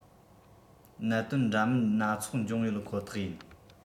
གནད དོན འདྲ མིན སྣ ཚོགས འབྱུང ཡོད ཁོ ཐག ཡིན